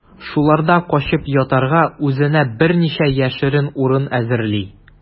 Шуларда качып ятарга үзенә берничә яшерен урын әзерли.